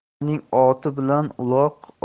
yomonning oti bilan uloq